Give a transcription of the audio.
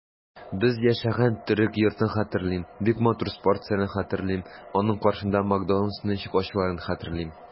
Без яшәгән төрек йортын хәтерлим, бик матур спорт сараен хәтерлим, аның каршында "Макдоналдс"ны ничек ачуларын хәтерлим.